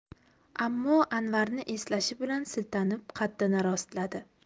ammo anvarni eslashi bilan siltanib qaddini rostladi